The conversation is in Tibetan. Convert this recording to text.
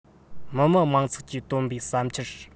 མི དམངས མང ཚོགས ཀྱིས བཏོན པའི བསམ འཆར